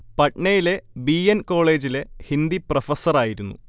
പട്നയിലെ B. N കോളേജിലെ ഹിന്ദി പ്രൊഫസ്സറായിരുന്നു